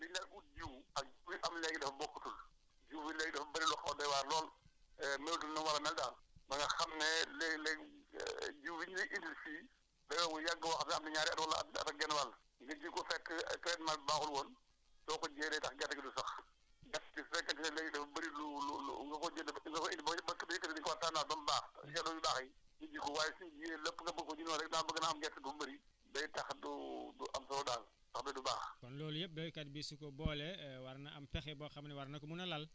am na ci parce que am na ci mooy li tax mu am ci mooy gerte gii bi ñu daan ut jiwu ak bi am léegi dafa bokkatul jiw bi léegi dafa bëri lu xaw a doy waar lool melatul nu mu war a mel daal ba nga xam ne léeg-léeg jiw bi ñu lay indil fii day doon bu yàgg boo xam ne am na ñaari at wala at ak genn wàll nga ji ko fekk traitement bi baaxul woon sooko jiyee day tax gerte gi du sax * su fekkente ne léegi dafa bëri lu lu lu lu ko jënd ba lu ko indi ba béykat yi daénu ko war a tànnaat ba mu baax gerte yu baax yi ñu ji ko waaye su ñu jiyee la nga ba ko ci noonu rek damaa bëgg gën a am gerte gu bëri day tax du du am solo daal sax bi du baax